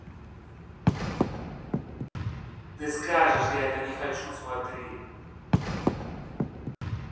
ты скажешь я это не хочу смотреть